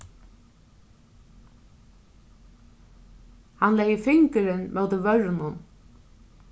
hann legði fingurin móti vørrunum